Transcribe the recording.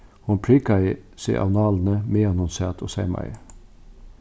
hon prikaði seg av nálini meðan hon sat og seymaði